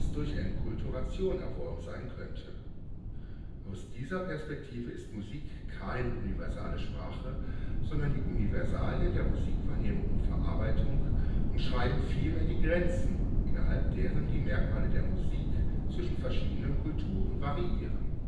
durch Enkulturation erworben sein könnte. Aus dieser Perspektive ist Musik keine universale Sprache, sondern die Universalien der Musikwahrnehmung und - verarbeitung umschreiben vielmehr die Grenzen, innerhalb deren die Merkmale der Musik zwischen verschiedenen Kulturen variieren